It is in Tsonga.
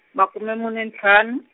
makume mune ntlhanu.